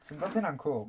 Ti'n gweld hynna'n cŵl?